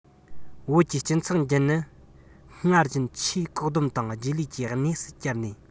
བོད ཀྱི སྤྱི ཚོགས འདི ཉིད སྔར བཞིན ཆེས བཀག སྡོམ དང རྗེས ལུས ཀྱི གནས སུ གྱར ནས